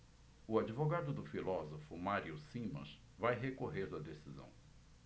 o advogado do filósofo mário simas vai recorrer da decisão